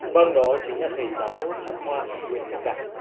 vâng đó chính là thầy giáo thám hoa nguyễn đức đạt